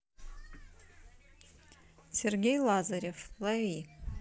сергей лазарев лови